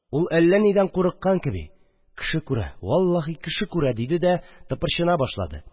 Ул, әллә нидән курыккан кеби: «Кеше күрә, валлаһи, кеше күрә», – диде дә тыпырчына башлады